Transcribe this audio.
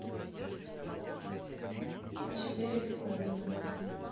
а четыре с клоуном